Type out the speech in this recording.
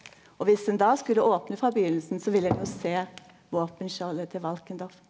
og viss ein då skulle opne frå byrjinga så ville ein jo se våpenskjoldet til Valkendorf.